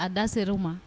A da ser'o ma